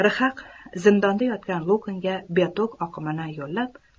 rhaq zindonda yotgan luknga biotok oqimini yo'llab